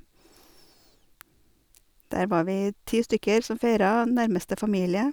Der var vi ti stykker som feira, nærmeste familie.